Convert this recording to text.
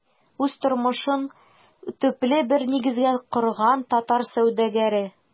Үз тормышын төпле бер нигезгә корган татар сәүдәгәре.